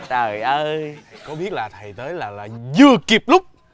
trời ơi không biết là thầy tới là là vừa kịp lúc